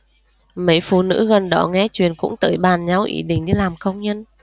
mấy phụ nữ gần đó nghe chuyện cũng tới bàn nhau ý định đi làm công nhân